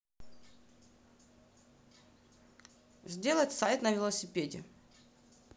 сделать сайт на велосипеде